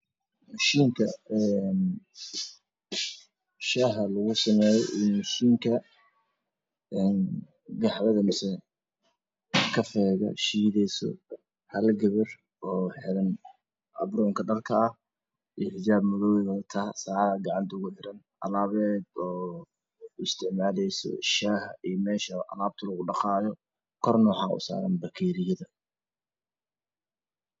Mashiinka shaaha lagu sameeyo io mashiinka qaxwada lagu sameeyo, kafeega shiidayso hal gabar oo xiran akoonka dharka ah io xijaab madow wadata saacad aa gacanta ugu xiran Alaabey isticmaalaysey shaaha io alaabta lagu dhaqaayo Korea waxaa u saran bakeeriyo